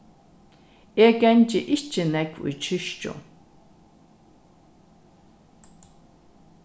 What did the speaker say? eg gangi ikki nógv í kirkju